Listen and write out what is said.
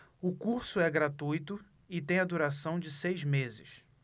o curso é gratuito e tem a duração de seis meses